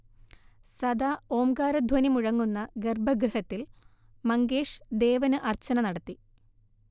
സദാ ഓംകാരധ്വനി മുഴങ്ങുന്ന ഗർഭഗൃഹത്തിൽ മങ്കേഷ് ദേവന് അർച്ചന നടത്തി